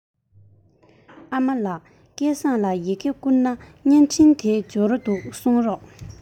ཨ མ ལགས སྐལ བཟང ལ ཡི གེ བསྐུར ན བརྙན འཕྲིན དེ འབྱོར འདུག གསུངས རོགས